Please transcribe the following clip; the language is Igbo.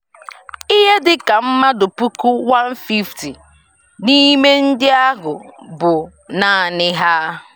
Ihe dị ka mmadụ puku 150 n'ime ndị ahụ bi naanị ha.